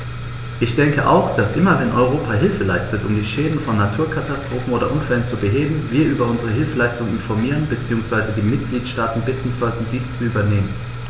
Ich denke auch, dass immer wenn Europa Hilfe leistet, um die Schäden von Naturkatastrophen oder Unfällen zu beheben, wir über unsere Hilfsleistungen informieren bzw. die Mitgliedstaaten bitten sollten, dies zu übernehmen.